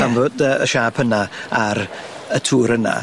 pam fod yy y siâp yna ar y tŵr yna.